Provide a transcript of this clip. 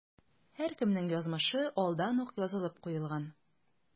Һәркемнең язмышы алдан ук язылып куелган.